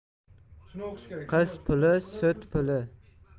qiz puli sut puli